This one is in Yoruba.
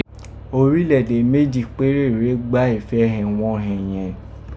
Orílẹ̀ èdè méjì péré rèé gbá ìfẹhẹ̀wànhẹ̀ yẹ̀n.